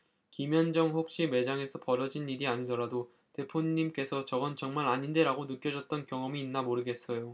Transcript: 김현정 혹시 매장에서 벌어진 일이 아니더라도 대표님께서 저건 정말 아닌데 라고 느껴졌던 경험이 있나 모르겠어요